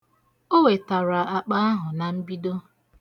O wetara akpa ahụ na mbido.